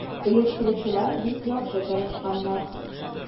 Оештыручылар бик яхшы тырышканнар.